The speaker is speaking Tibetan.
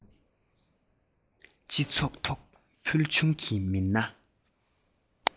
སྤྱི ཚོགས ཐོག ཕུལ བྱུང གི མི སྣ